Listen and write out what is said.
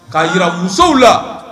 K'a jira musow la